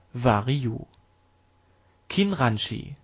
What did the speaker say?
Waryu) Kinranshi